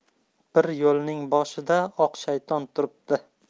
bir yo'lning boshida oq shayton turibdi